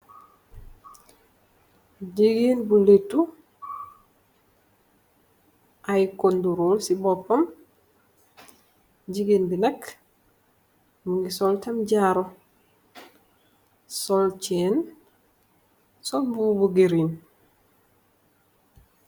Gigeen bu lèttu ay kondulor ci bópam, gigeen bi nak mugii sol tam jaru, sol cèèn sol mbubu bu green.